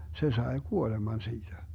se sai kuoleman siitä